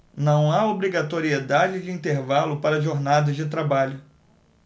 não há obrigatoriedade de intervalo para jornadas de trabalho